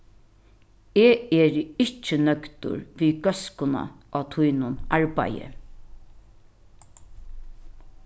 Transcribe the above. eg eri ikki nøgdur við góðskuna á tínum arbeiði